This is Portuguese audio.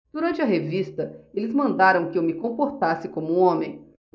durante a revista eles mandaram que eu me comportasse como homem